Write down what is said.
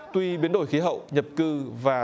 tuy biến đổi khí hậu nhập cư và